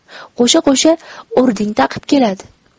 qo'sha qo'sha ordin taqib kirib keladi